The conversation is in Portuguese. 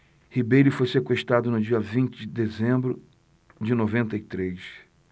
ribeiro foi sequestrado no dia vinte de dezembro de noventa e três